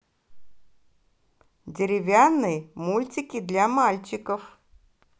деревянный мультики для мальчиков